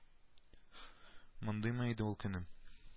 Мондыймы иде ул көнем